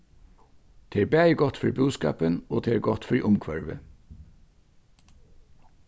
tað er bæði gott fyri búskapin og tað er gott fyri umhvørvið